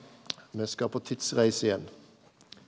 me skal på tidsreise igjen.